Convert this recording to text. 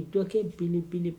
I dɔkɛ bele bele